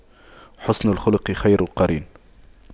حُسْنُ الخلق خير قرين